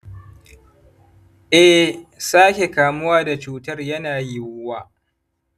eh, sake kamuwa da cutar yana yiwuwa